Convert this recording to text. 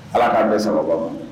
Ala k'an bɛɛ saba ma